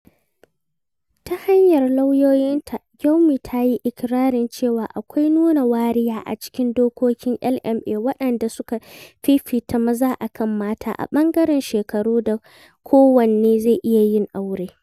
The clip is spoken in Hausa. Ta hanyar lauyoyinta, Gyumi ta yi iƙirararin cewa akwai nuna wariya a cikin dokokin LMA waɗanda suka fifita maza a kan mata a ɓangaren shekarun da kowanne zai iya yin aure.